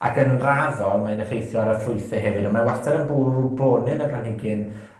ac yn raddol, mae'n effeithio ar y ffrwythe hefyd, ond mae wastad yn bwrw bonin y planhigyn,